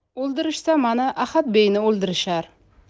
o'ldirishsa mana ahadbeyni o'ldirishar